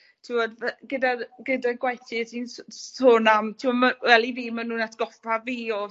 t'wod fe- gyda gyda gwaith ti o't ti'n s- sôn am t'mo' ma' wel i fi ma' nw'n atgoffa fi o